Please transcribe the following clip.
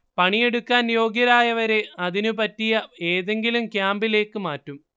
പണിയെടുക്കാൻ യോഗ്യരായവരെ അതിനുപറ്റിയ ഏതെങ്കിലും ക്യാമ്പിലേക്ക് മാറ്റും